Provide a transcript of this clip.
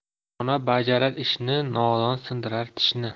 dono bajarar ishni nodon sindirar tishni